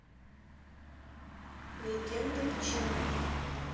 легенды чимы